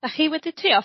'Dach chi wedi trio...